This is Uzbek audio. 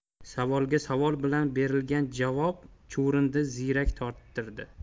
savolga savol bilan berilgan javob chuvrindini ziyrak torttirdi